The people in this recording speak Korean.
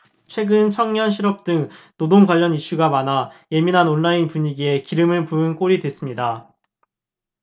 최근 청년 실업 등 노동 관련 이슈가 많아 예민한 온라인 분위기에 기름을 부은 꼴이 됐습니다